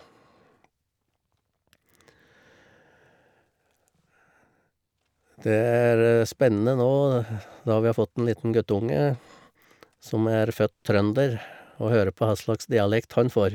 Det er spennende nå når vi har fått en liten guttunge som er født trønder, å høre på hva slags dialekt han får.